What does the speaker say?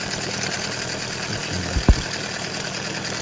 включи моби